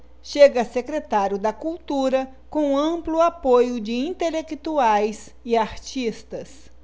chega a secretário da cultura com amplo apoio de intelectuais e artistas